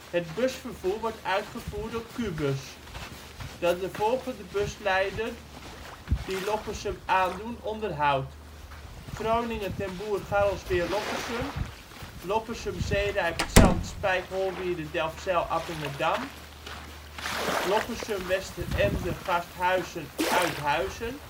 Het busvervoer wordt uitgevoerd door Qbuzz, dat de volgende buslijnen die Loppersum aandoen, onderhoudt: lijn (1) 42: Groningen - Ten Boer - Garrelsweer - Loppersum lijn 45: Loppersum - Zeerijp -' t Zandt - Spijk - Holwierde - Delfzijl - Appingedam lijntaxi / schoolbus (6) 62: Loppersum - Westeremden - Garsthuizen - Uithuizen